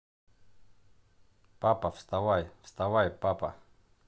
папа вставай вставай папа